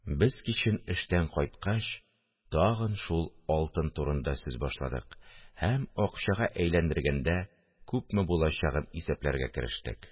Без кичен, эштән кайткач, тагын шул алтын турында сүз башладык һәм акчага әйләндергәндә күпме булачагын исәпләргә керештек